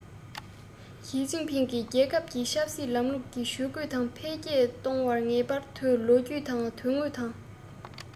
ཞིས ཅིན ཕིང གིས རྒྱལ ཁབ ཀྱི ཆབ སྲིད ལམ ལུགས ཇུས བཀོད དང འཕེལ རྒྱས གཏོང བར ངེས པར དུ ལོ རྒྱུས དང དོན དངོས དང